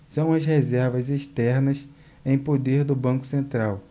são as reservas externas em poder do banco central